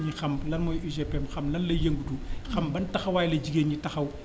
ñu xam lan mooy UGPM xam lan lay yëngatu xam ban taxawaay la jigéen ñiy taxaw